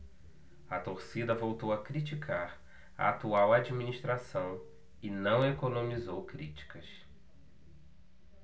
a torcida voltou a criticar a atual administração e não economizou críticas